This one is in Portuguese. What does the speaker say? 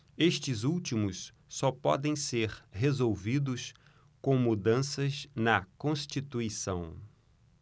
estes últimos só podem ser resolvidos com mudanças na constituição